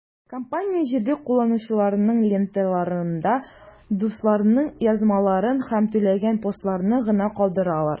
Компания җирле кулланучыларның ленталарында дусларының язмаларын һәм түләнгән постларны гына калдырган.